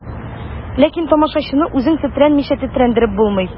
Ләкин тамашачыны үзең тетрәнмичә тетрәндереп булмый.